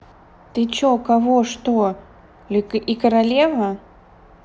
ты че кого что ли и королева